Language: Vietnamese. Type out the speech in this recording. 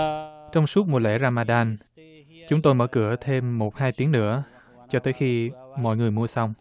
trong suốt mùa lễ ra ma đan chúng tôi mở cửa thêm một hai tiếng nữa cho tới khi mọi người mua xong